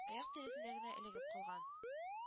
Аяк тиресендә генә элегеп калган